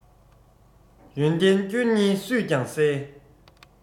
ཡོན ཏན སྐྱོན གཉིས སུས ཀྱང གསལ